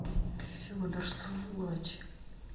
федор сволочь